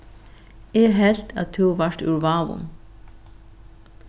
eg helt at tú vart úr vágum